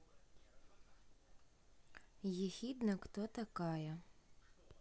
ехидна кто такая